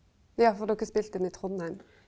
ja, for dokker spelte inn i Trondheim.